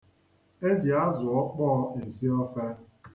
E ji azụọkpọọ esi ofe.